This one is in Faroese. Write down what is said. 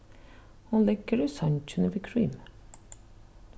hon liggur í songini við krími